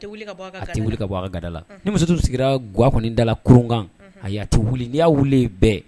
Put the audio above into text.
Bɔ a la ni muso sigira ga kɔni dala kurunkan a' wuli n y'a weele bɛɛ